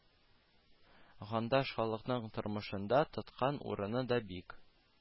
Гандаш халыкның тормышында тоткан урыны да бик